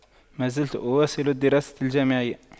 ما زلت اواصل الدراسة الجامعية